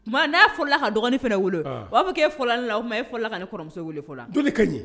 Tuma dɔ la, n'a fɔlɔ la ka dɔgɔni fana wele, ɔnhɔn, o b'a dɔ k'e fɔlɔla la, ne la, k'o tuma e fɔlɔla ka ne kɔrɔmuso fɔlɔ wa? o de kaɲi.